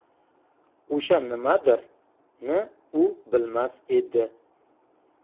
o'sha nimadir ni u bilmas edi